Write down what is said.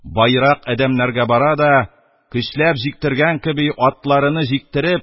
Баерак адәмнәргә бapa да, көчләп җиктергән кеби, атларыны җиктереп